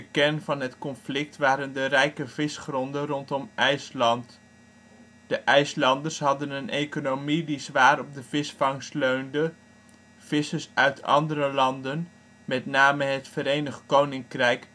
kern van het conflict waren de rijke visgronden rondom IJsland. De IJslanders hadden een economie die zwaar op de visvangst leunde. Vissers uit andere landen, met name het Verenigd Koninkrijk